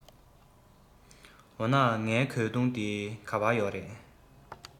འོ ན ངའི གོས ཐུང དེ ག པར ཡོད